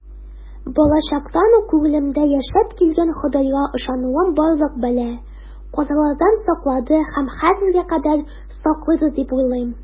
Балачактан ук күңелемдә яшәп килгән Ходайга ышануым барлык бәла-казалардан саклады һәм хәзергә кадәр саклыйдыр дип уйлыйм.